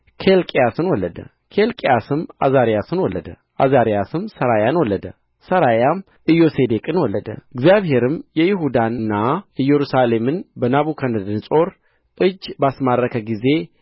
ኬልቅያስን ወለደ ኬልቅያስም ዓዛርያስን ወለደ ዓዛርያስም ሠራያን ወለደ ሠራያም ኢዮሴዴቅን ወለደ እግዚአብሔርም ይሁዳንና ኢየሩሳሌምን በናቡከደነፆር እጅ ባስማረከ ጊዜ